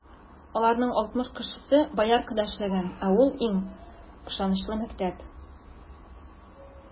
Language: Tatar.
Аларның алтмыш кешесе Бояркада эшләгән, ә ул - иң ышанычлы мәктәп.